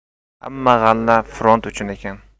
hamma g'alla front uchun ekan